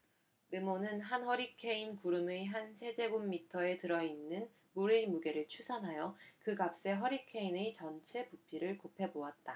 르몬은 한 허리케인 구름의 한 세제곱미터에 들어 있는 물의 무게를 추산하여 그 값에 허리케인의 전체 부피를 곱해 보았다